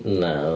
Na oedd...